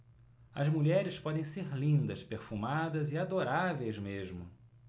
as mulheres podem ser lindas perfumadas e adoráveis mesmo